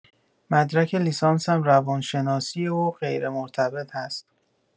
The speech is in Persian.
مدرک لیسانسم روانشناسیه و غیرمرتبط هست